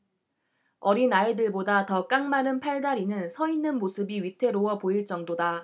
어린아이들보다 더 깡마른 팔다리는 서 있는 모습이 위태로워 보일 정도다